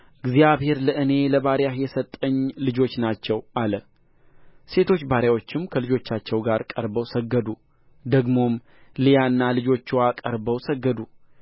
እግዚአብሔር ለእኔ ለባሪያህ የሰጠኝ ልጆች ናቸው አለ ሴቶች ባሪያዎችም ከልጆቻቸው ጋር ቀርበው ሰገዱ ደግሞም ልያና ልጆችዋ ቀርበው ሰገዱ